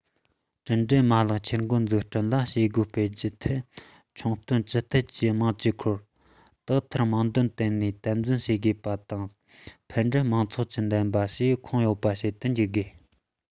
འགྲིམ འགྲུལ མ ལག འཆར འགོད འཛུགས སྐྲུན ལ བྱེད སྒོ སྤེལ རྒྱུ མཐའ འཁྱོངས བསྟུན ཅི ཐུབ ཀྱིས དམངས སེམས ཀྱི འཁོར དག ཐེར དམངས འདོད དེད ནས དམ འཛིན བྱེད དགོས པ དང ཕན འབྲས མང ཚོགས ཀྱིས འདེམས པ ཞེས འཁོད ཡོད པ བྱེད དུ འཇུག དགོས